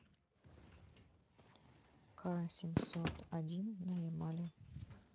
ка семьсот один на ямале